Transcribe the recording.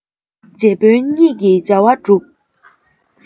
རྗེ དཔོན ཉིད ཀྱི བྱ བ སྒྲུབ